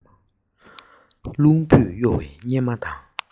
རླུང བུས གཡོ བའི སྙེ མ དང